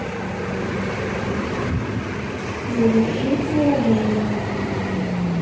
заверши приложение